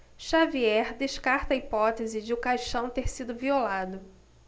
xavier descarta a hipótese de o caixão ter sido violado